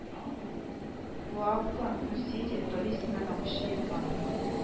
Фуабго Русия территориясеннән агучы елга